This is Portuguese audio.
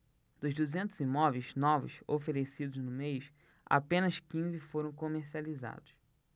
dos duzentos imóveis novos oferecidos no mês apenas quinze foram comercializados